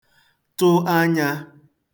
tụ anyā